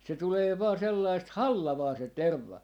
se tulee vain sellaista hallavaa se terva